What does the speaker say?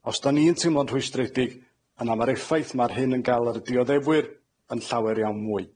Os 'dan ni'n teimlo'n rhwystredig, yna ma'r effaith ma'r hyn yn ga'l ar y dioddefwyr yn llawer iawn mwy.